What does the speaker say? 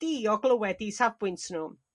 di o glywed i safbwynt n'w?